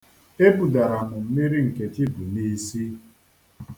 E budara m mmiri Nkechi bu n'isi.